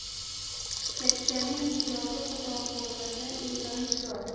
yakkaning yori xudo bo'lmasa eldan judo